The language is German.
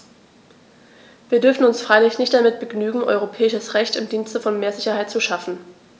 Wir dürfen uns freilich nicht damit begnügen, europäisches Recht im Dienste von mehr Sicherheit zu schaffen.